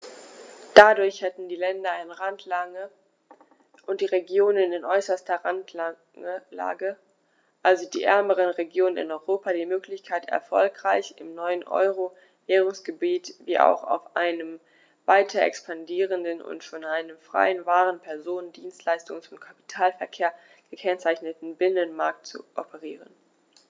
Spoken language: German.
Dadurch hätten die Länder in Randlage und die Regionen in äußerster Randlage, also die ärmeren Regionen in Europa, die Möglichkeit, erfolgreich im neuen Euro-Währungsgebiet wie auch auf einem weiter expandierenden und von einem freien Waren-, Personen-, Dienstleistungs- und Kapitalverkehr gekennzeichneten Binnenmarkt zu operieren.